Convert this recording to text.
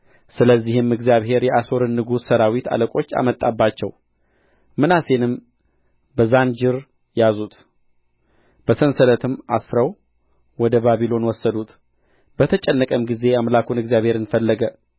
ስለዚህም እግዚአብሔር የአሦርን ንጉሥ ሠራዊት አለቆች አመጣባቸው ምናሴንም በዛንጅር ያዙት በሰንሰለትም አስረው ወደ ባቢሎን ወሰዱት በተጨነቀም ጊዜ አምላኩን እግዚአብሔርን ፈለገ